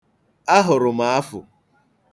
Ahụrụ m afụ.